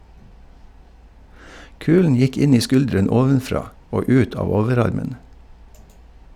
Kulen gikk inn i skulderen ovenfra og ut av overarmen.